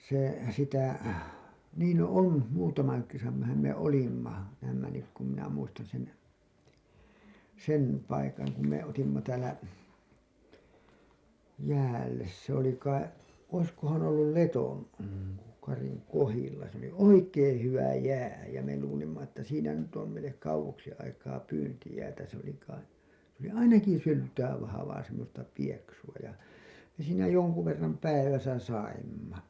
se sitä niin no on muutaman kerranhan me olimme näemme nyt kun minä muistan sen sen paikan kun me otimme täällä jäälle se oli kai olisikohan ollut - Letonkarin kohdilla se oli oikein hyvä jää ja me luulimme että siinä nyt on meille kauaksi aikaa pyyntijäätä se oli kai se oli ainakin syltä vahvaa semmoista pieksua ja me siinä jonkun verran päivässä saimme